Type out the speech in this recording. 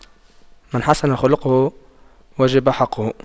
من حسن خُلقُه وجب حقُّه